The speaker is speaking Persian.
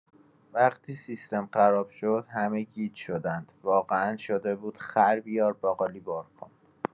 وقتی سیستم خراب شد، همه گیج شدند، واقعا شده بود خر بیار باقالی بار کن.